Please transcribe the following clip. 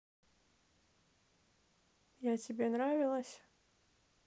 я тебе нравилось